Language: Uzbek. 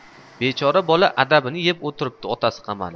bechora bola adabini yeb o'tiribdi otasi qamalib